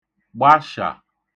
gbashà